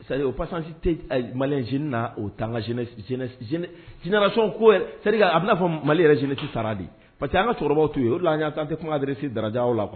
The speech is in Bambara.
Seli o pasansi tɛ malic na o tanson ko seri a bɛna'a fɔ mali yɛrɛ jeni sisan sara de pa que an ka cɛkɔrɔbaw to yen o la an taa tɛ kumakan yɛrɛresi da la